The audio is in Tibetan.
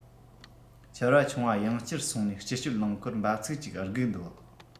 ཆར པ ཆུང བ ཡང བསྐྱར སོང ནས སྤྱི སྤྱོད རླངས འཁོར འབབ ཚུགས གཅིག སྒུག འདོད